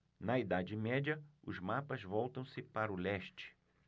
na idade média os mapas voltam-se para o leste